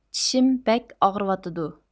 چىشىم بەك ئاغرىۋاتىدۇ